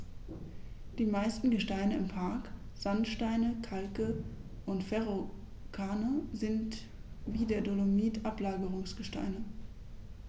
Die meisten Gesteine im Park – Sandsteine, Kalke und Verrucano – sind wie der Dolomit Ablagerungsgesteine.